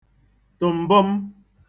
tụ̀m̀bọm